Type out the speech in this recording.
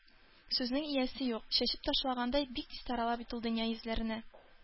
Сүзнең иясе юк, чәчеп ташлагандай, бик тиз тарала бит ул дөнья йөзләренә.